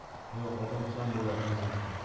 yo'q odam kam bo'ladi uyimizda